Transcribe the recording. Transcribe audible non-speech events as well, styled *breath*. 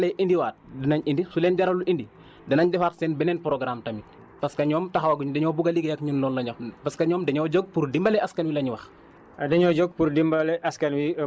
bu fekkeeli ñu gis bu leen jaralee indiwaat dinañ indi su leen jaralul indi *breath* dana ñ defaat seen beneen programme tamit parce que ñoom taxaguñ dañoo bugg a liggéey ak ñun loolu lañ wax parce que ñoom dañoo jóg pour dimbale askan wi la ñu wax